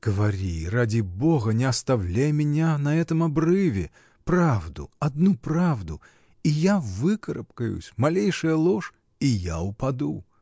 — Говори, ради Бога, не оставляй меня на этом обрыве: правду, одну правду — и я выкарабкаюсь, малейшая ложь — и я упаду!